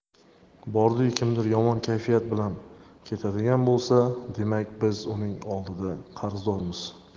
bordiyu kimdir yomon kayfiyat bilan ketadigan bo'lsa demak biz uning oldida qarzdormiz